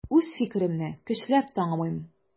Үз фикеремне көчләп такмыйм.